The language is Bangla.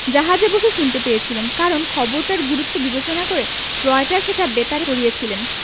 জাহাজে বসে শুনতে পেয়েছিলুম কারণ খবরটার গুরুত্ব বিবেচনা করে রয়টার সেটা বেতারে ছড়িয়েছিলেন